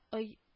Ой